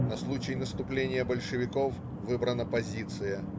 На случай наступления большевиков - выбрана позиция.